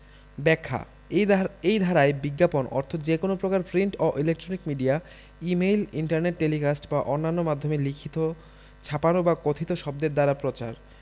ব্যাখ্যাঃ এই ধারায় বিজ্ঞাপন অর্থ যে কোন প্রকার প্রিন্ট ও electronic media email internet telecast বা অন্যান্য মাধ্যমে লিখিত ছাপানো বা কথিত শব্দের দ্বারা প্রচার